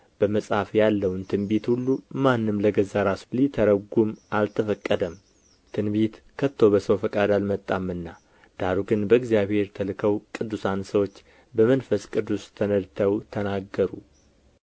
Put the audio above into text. በመጽሐፍ ያለውን ትንቢት ሁሉ ማንም ለገዛ ራሱ ሊተረጉም አልተፈቀደም ትንቢት ከቶ በሰው ፈቃድ አልመጣምና ዳሩ ግን በእግዚአብሔር ተልከው ቅዱሳን ሰዎች በመንፈስ ቅዱስ ተነድተው ተናገሩ